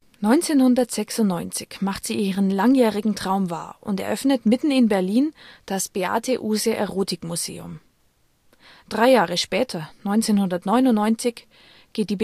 1996 macht sie ihren langjährigen Traum wahr und eröffnet mitten in Berlin das Beate Uhse Erotikmuseum. Drei Jahre später, 1999, geht die